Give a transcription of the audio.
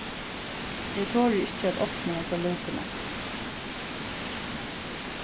eg tori ikki at opna hesa lúkuna